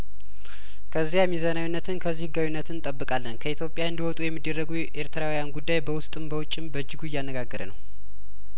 ከእዚያ ሚዛናዊነትን ከዚህ ህጋዊነትን እንጠብቃለን ከኢትዮጵያ እንዲወጡ የሚደረጉ ኤርትራውያን ጉዳይበውስጥም በውጭም በእጅጉ እያነጋገረ ነው